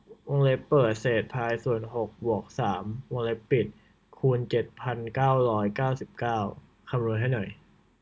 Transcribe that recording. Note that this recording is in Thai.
วงเล็บเปิดเศษพายส่วนหกบวกสามวงเล็บปิดคูณเจ็ดพันเก้าร้อยเก้าสิบเก้าคำนวณให้หน่อย